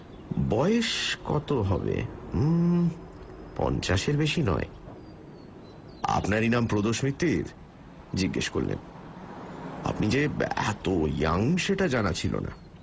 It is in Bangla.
বয়স কত হবে পঞ্চাশের বেশি নয় আপনারই নাম প্রদোষ মিত্তির জিজ্ঞেস করলেন আপনি যে এত ইয়ং সেটা জানা ছিল না